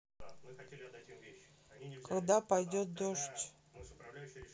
когда пойдет дождь